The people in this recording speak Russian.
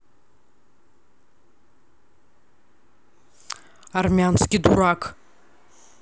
армянский дурак